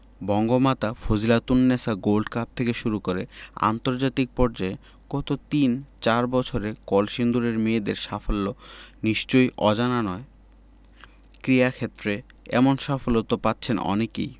Bangamata Fazilatunnesa gold cup থেকে শুরু করে আন্তর্জাতিক পর্যায়ে গত তিন চার বছরে কলসিন্দুরের মেয়েদের সাফল্য নিশ্চয়ই অজানা নয় ক্রীড়াক্ষেত্রে এমন সাফল্য তো পাচ্ছেন অনেকেই